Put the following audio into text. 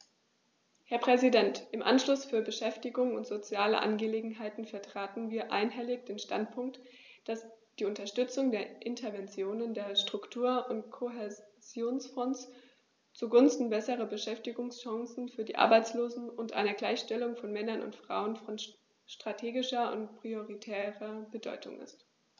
Herr Präsident, im Ausschuss für Beschäftigung und soziale Angelegenheiten vertraten wir einhellig den Standpunkt, dass die Unterstützung der Interventionen der Struktur- und Kohäsionsfonds zugunsten besserer Beschäftigungschancen für die Arbeitslosen und einer Gleichstellung von Männern und Frauen von strategischer und prioritärer Bedeutung ist.